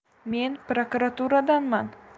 men prokuraturadanman